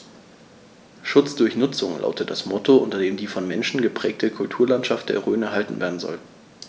„Schutz durch Nutzung“ lautet das Motto, unter dem die vom Menschen geprägte Kulturlandschaft der Rhön erhalten werden soll.